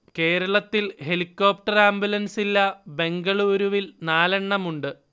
കേരളത്തിൽ helicopter ambulance ഇല്ല ബെംഗളൂരുവിൽ നാലെണ്ണമുണ്ട്